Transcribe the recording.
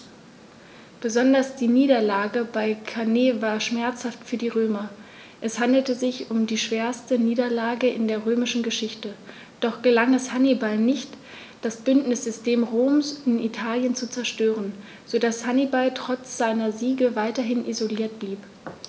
Besonders die Niederlage bei Cannae war schmerzhaft für die Römer: Es handelte sich um die schwerste Niederlage in der römischen Geschichte, doch gelang es Hannibal nicht, das Bündnissystem Roms in Italien zu zerstören, sodass Hannibal trotz seiner Siege weitgehend isoliert blieb.